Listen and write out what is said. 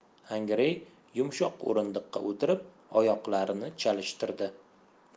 xongirey yumshoq o'rindiqqa o'tirib oyoqlarini chalishtirdi